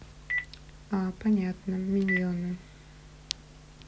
а понятно миньоны